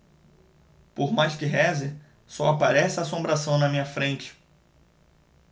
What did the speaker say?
por mais que reze só aparece assombração na minha frente